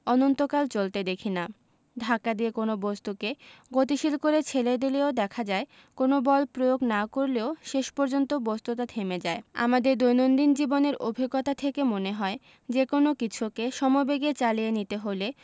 অনন্তকাল চলতে দেখি না ধাক্কা দিয়ে কোনো বস্তুকে গতিশীল করে ছেড়ে দিলেও দেখা যায় কোনো বল প্রয়োগ না করলেও শেষ পর্যন্ত বস্তুটা থেমে যায় আমাদের দৈনন্দিন জীবনের অভিজ্ঞতা থেকে মনে হয় যেকোনো কিছুকে সমবেগে চালিয়ে নিতে হলে